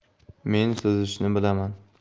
men suzishni bilaman